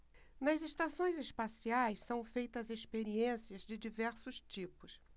nas estações espaciais são feitas experiências de diversos tipos